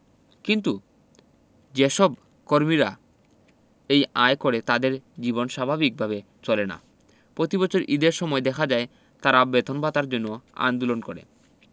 কিন্তু যেসব কর্মীরা এই আয় করে তাদের জীবন স্বাভাবিক ভাবে চলে না প্রতিবছর ঈদের সময় দেখা যায় তারা বেতন ভাতার জন্য আন্দোলন করে